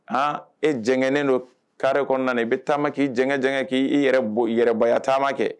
Hɔn e jɛngɛnen don kaare kɔnɔna, i bɛ taama k'i jɛngɛ k'i yɛrɛ yɛrɛbaya taama kɛ